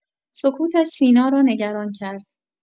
سکوتش سینا را نگران کرد.